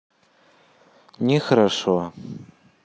нехорошо